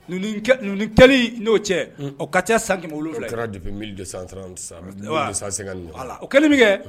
N'o cɛ o ka ca san kɛmɛ kɛra defe mili de san san san o kɛlen min kɛ